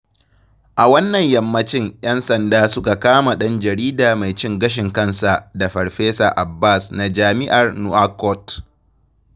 A wannan yammacin 'yan sanda suka kama ɗan jarida mai cin gashin kansa da Farfesa Abbass na Jami'ar Nouakchott.